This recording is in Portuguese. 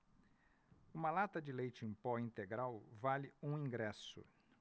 uma lata de leite em pó integral vale um ingresso